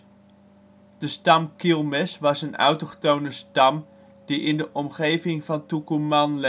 stam Quilmes was een autochtone stam die in de omgeving van Tucumán leefde